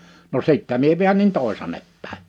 no sitten minä väänsin toisaanne päin